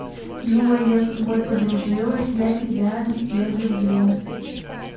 джой я с тобой подружилась я тебя теперь люблю